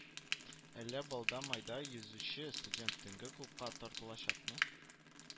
Әллә балда-майда йөзүче студент төнге клубка тартылачакмы